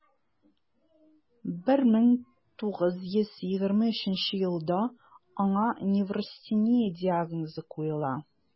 1923 елда аңа неврастения диагнозы куела: